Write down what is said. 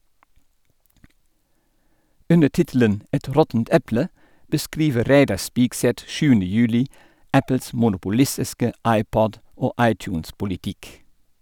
Under tittelen «Et råttent eple» beskriver Reidar Spigseth 7. juli Apples monopolistiske iPod- og iTunes-politikk.